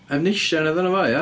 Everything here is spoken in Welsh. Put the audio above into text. Efnisien oedd enw fo, ia?